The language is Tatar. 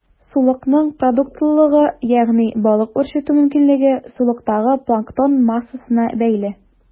Сулыкның продуктлылыгы, ягъни балык үрчетү мөмкинчелеге, сулыктагы планктон массасына бәйле.